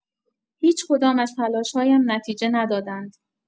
هیچ‌کدام از تلاش‌هایم نتیجه ندادند.